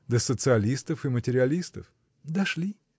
до социалистов и материалистов!. — Дошли!